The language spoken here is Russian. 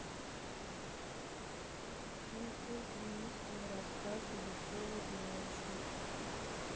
ютуб денискины рассказы веселый двоечник